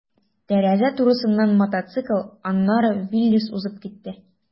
Тәрәзә турысыннан мотоцикл, аннары «Виллис» узып китте.